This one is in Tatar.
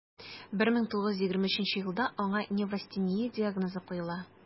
1923 елда аңа неврастения диагнозы куела: